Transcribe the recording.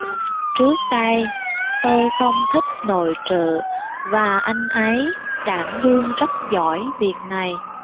trước đây tôi không thích nội trợ và anh ấy đảm đương rất giỏi việc này